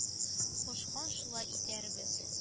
Хуш хан шулай итәрбез